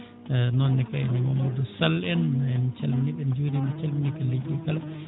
noon ne kayne Mamadou Sall en en calminii ɓe en njuuriima ɓe en calminii galleeji ɗi kala